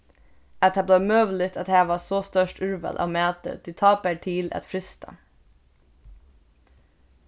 at tað bleiv møguligt at hava so stórt úrval av mati tí tá bar til at frysta